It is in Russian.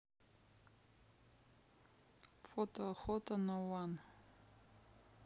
фото охота на one